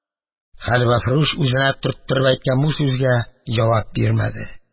Хәлвәфрүш үзенә төрттереп әйткән бу сүзгә җавап бирмәде.